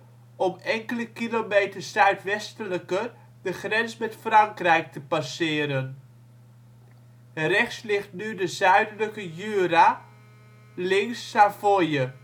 de grens met Frankrijk te passeren. Rechts ligt nu de zuidelijke Jura, links Savoie